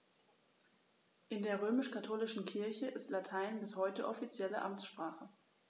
In der römisch-katholischen Kirche ist Latein bis heute offizielle Amtssprache.